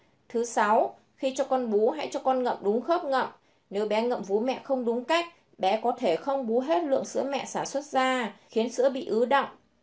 khi cho con bú hãy cho con ngậm đúng khớp ngậm nếu bé ngậm vú mẹ không đúng cách bé có thể không bú hết lượng sữa mẹ sản xuất ra khiến sữa bị ứ đọng